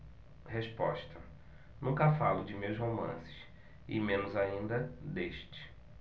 resposta nunca falo de meus romances e menos ainda deste